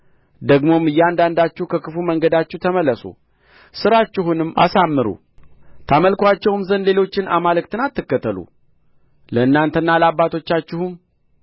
ደግሞም እያንዳንዳችሁ ከክፉ መንገዳችሁ ተመለሱ ሥራችሁንም አሳምሩ ታመልኩአቸውም ዘንድ ሌሎችን አማልክት አትከተሉ ለእናንተና ለአባቶቻችሁም